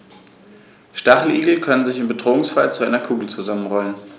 Stacheligel können sich im Bedrohungsfall zu einer Kugel zusammenrollen.